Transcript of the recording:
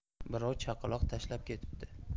birov chaqaloq tashlab ketibdi